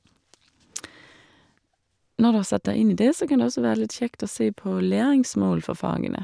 Når du har satt deg inn i det, så kan det også være litt kjekt å se på læringsmål for fagene.